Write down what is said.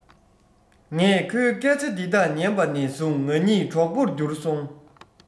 ངས ཁོའི སྐད ཆ འདི དག ཉན པ ནས བཟུང ང གཉིས གྲོགས པོར གྱུར སོང